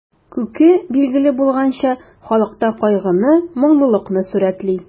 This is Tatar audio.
Күке, билгеле булганча, халыкта кайгыны, моңлылыкны сурәтли.